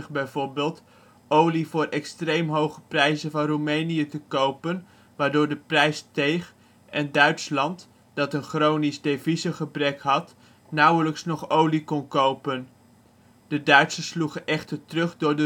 bijvoorbeeld olie voor extreem hoge prijzen van Roemenië te kopen, waardoor de prijs steeg en Duitsland (dat een chronisch deviezengebrek had) nauwelijks nog olie kon kopen. De Duitsers sloegen echter terug door